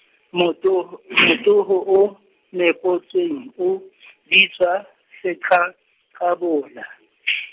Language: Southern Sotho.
motoho, motoho o, nepotsweng o , bitswa, seqhaqhabola .